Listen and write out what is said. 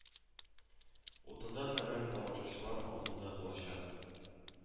Утызга кадәр тамашачылар алдында булачак